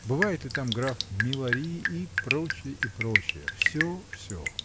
Бывает ли там граф Милари — и прочее и прочее, — всё, всё.